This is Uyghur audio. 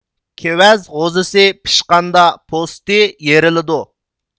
كېۋەز غوزىسى پىشقاندا پوستى يېرىلىدۇ